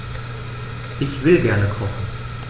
Ich will gerne kochen.